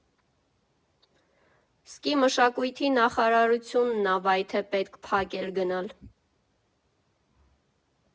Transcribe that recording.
Սկի Մշակույթի նախարարությունն ա վայթե պետք փագել գնալ։